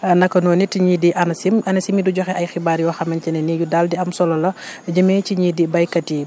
naka noonu it ñii di ANACIM ANACIM di joxe ay xibaar yoo xamante ne ni léegi daal di am solo la jëmee ci ñii di béykat yi